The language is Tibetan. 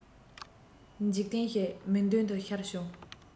འཇིག རྟེན ཞིག མིག མདུན དུ ཤར བྱུང